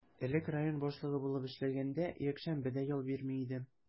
Элек район башлыгы булып эшләгәндә, якшәмбе дә ял бирми идем.